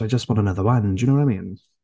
I just want another one, do you know what I mean?